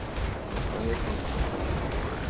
nihoyat elchin tilga kirdi